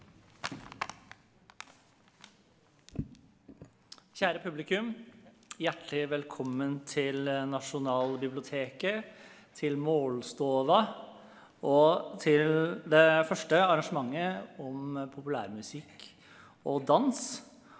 kjære publikum, hjertelig velkommen til Nasjonalbiblioteket til Målstova og til det første arrangementet om populærmusikk og dans.